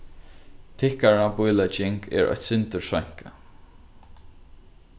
tykkara bílegging er eitt sindur seinkað